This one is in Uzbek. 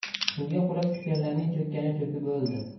suvga qulab tushganlarning cho'kkani cho'kib o'ldi